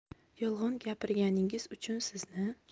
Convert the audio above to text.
yolg'on gapirganingiz uchun sizni